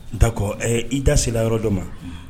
D'accord